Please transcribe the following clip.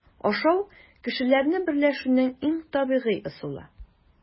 Ашау - кешеләрне берләшүнең иң табигый ысулы.